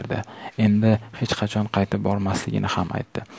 endi hech qachon qaytib bormasligini ham aytdi